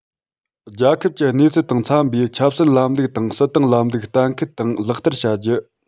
རྒྱལ ཁབ ཀྱི གནས ཚུལ དང འཚམས པའི ཆབ སྲིད ལམ ལུགས དང སྲིད ཏང ལམ ལུགས གཏན འཁེལ དང ལག བསྟར བྱ རྒྱུ